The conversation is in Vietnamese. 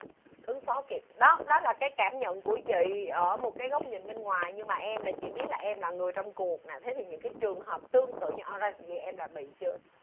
ứng phó kịp đó đó là cái cảm nhận của chị ở một cái góc nhìn bên ngoài nhưng mà em là chị biết là em là người trong cuộc nà thế thì những cái trường hợp tương tự như o ran vậy em đã bị chưa